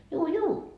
juu juu